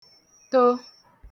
to